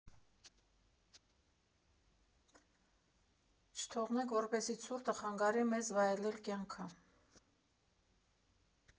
Չթողնենք, որպեսզի ցուրտը խանգարի մեզ վայելել կյանքը։